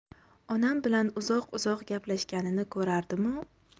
onam bilan uzoq uzoq gaplashganini ko'rardimu